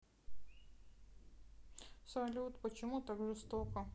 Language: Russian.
салют почему так жестоко